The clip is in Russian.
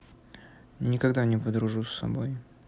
никогда не подружу с собой